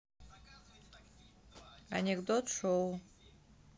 анекдот шоу